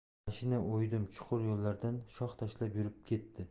mashina o'ydim chuqur yo'llardan shoh tashlab yurib ketdi